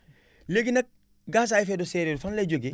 léegi nag gaz à effet de serre yooyu fan lay jógee